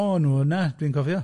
O, na, dwi'n cofio.